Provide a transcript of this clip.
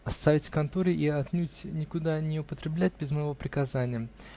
-- Оставить в конторе и отнюдь никуда не употреблять без моего приказания.